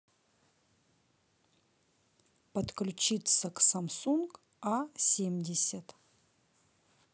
подключиться к samsung a семьдесят